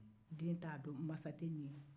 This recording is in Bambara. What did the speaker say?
den t'a dɔn masakelen min do